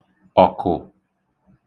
ọ̀kụ̀